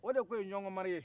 o de tun ye ɲɔngɔn mari ye